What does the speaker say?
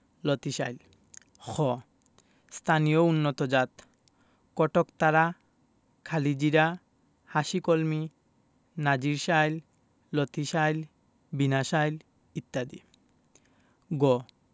লতিশাইল খ স্থানীয় উন্নতজাতঃ কটকতারা কালিজিরা হাসিকলমি নাজির শাইল লতিশাইল বিনাশাইল ইত্যাদি গ